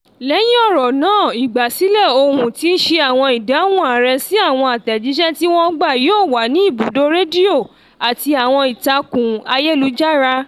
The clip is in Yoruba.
Lẹ́yìn ọ̀rọ̀ náà, ìgbà sílẹ̀ ohùn tí í ṣe àwọn ìdáhùn ààrẹ sí àwọn àtẹ̀jíṣẹ́ tí wọn gbà yóò wà ní àwọn ibùdó rédíò àti àwọn ìtàkùn ayélujára.